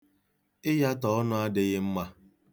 Ịyatọ ọnụ adịghị mma.